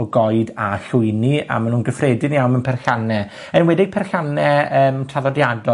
o goed a llwyni, a ma' nw'n gyffredin iawn yn perllanne. Enwedig, perllanne yym traddodiadol